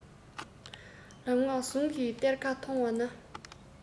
ལམ སྔགས ཟུང གི གཏེར ཁ མཐོང བ ན